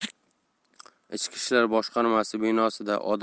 ichki ishlar boshqarmasi binosida